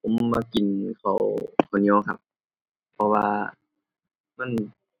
ผมมักกินข้าว ข้าวเหนียวครับ เพราะว่ามัน